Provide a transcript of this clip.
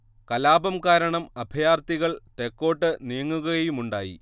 കലാപം കാരണം അഭയാർത്ഥികൾ തെക്കോട്ട് നീങ്ങുകയുമുണ്ടായി